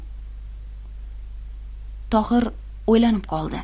tohir o'ylanib qoldi